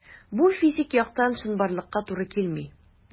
Бу физик яктан чынбарлыкка туры килми.